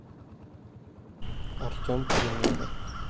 артем примеров